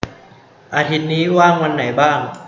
อาทิตย์นี้ว่างวันไหนบ้าง